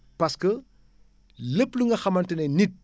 parce que :fralépp lu nga xamante ne nit